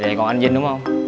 vậy còn anh vinh đúng không